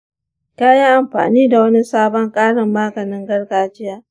ka yi amfani da wani sabon ƙarin maganin gargajiya?